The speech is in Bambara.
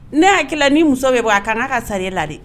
Ne y hakiliala ni muso bɛ bɔ a kana'a ka sariya e la de